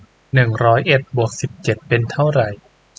หนึ่งร้อยเอ็ดบวกสิบเจ็ดเป็นเท่าไร